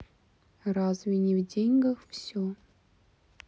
разве не в деньгах все